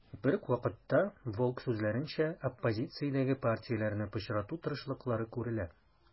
Берүк вакытта, Волк сүзләренчә, оппозициядәге партияләрне пычрату тырышлыклары күрелә.